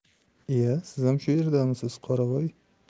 iya sizam shu yerdamisiz qoravoy